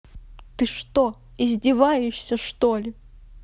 ты что издеваешься что ли